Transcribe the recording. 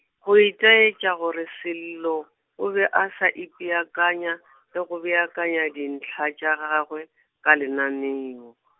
go itaetša gore Sello, o be a sa ipeakanya, le go beakanya dintlha tša gagwe, ka lenaneo.